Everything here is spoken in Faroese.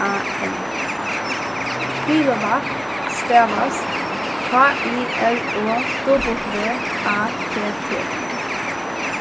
a n kilowatt stavast k i l o w a t t